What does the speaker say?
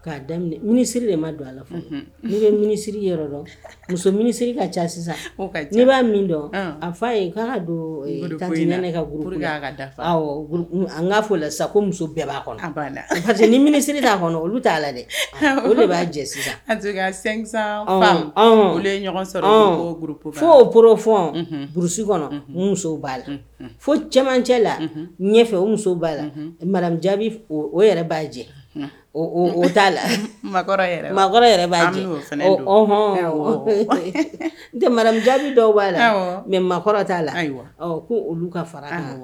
Siri ne bɛsiri dɔn musosiri ka ne b'a a faa ye don'a la muso bɛɛ b'aasiria olu t'a la dɛ olu de b'a olup fooro burusi kɔnɔ muso b'a la fo cɛmancɛ la ɲɛfɛ o muso b'a la o yɛrɛ b'a jɛ t'a la yɛrɛ b'aɔn jaabi dɔw b'a la mɛ mɔgɔkɔrɔ t'a la ko olu ka fara